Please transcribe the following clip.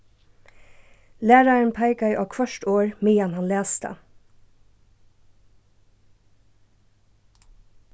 lærarin peikaði á hvørt orð meðan hann las tað